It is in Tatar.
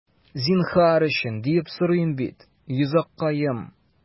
Зинһар өчен, диеп сорыйм бит, йозаккаем...